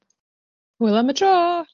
Hwyl am y tro.